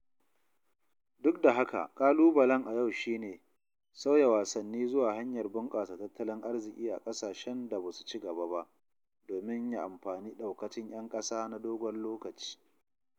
Duk da haka, ƙalubalen a yau shi ne sauya wasanni zuwa hanyar bunƙasa tattalin arziƙi a ƙasashen da ba su ci gaba ba domin ya amfani daukacin ‘yan ƙasa na dogon lokaci.